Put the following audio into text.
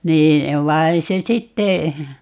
niin vaan se sitten